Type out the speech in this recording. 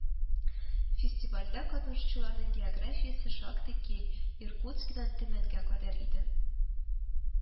Фестивальдә катнашучыларның географиясе шактый киң – Иркутскидан Төмәнгә кадәр иде